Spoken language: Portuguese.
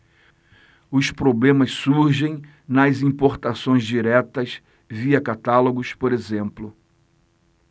os problemas surgem nas importações diretas via catálogos por exemplo